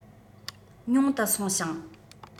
ཉུང དུ སོང ཞིང